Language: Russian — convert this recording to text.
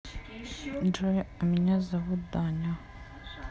джой а меня зовут даня